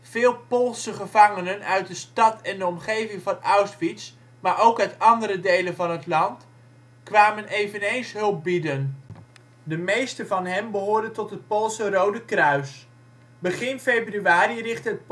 Veel Poolse gevangenen uit de stad en de omgeving van Auschwitz, maar ook uit andere delen van het land, kwamen eveneens hulp bieden. De meesten van hen behoorden tot het Poolse Rode Kruis. Begin februari richtte